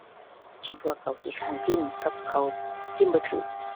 คิดว่าเขาขี่ค้านพิมพ์กับเขาพิมพ์บ่ถูก